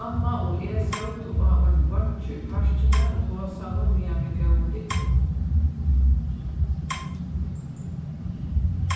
mamma og eg sótu á einum beinki í parkini og tosaðu meðan vit góvu dúgvunum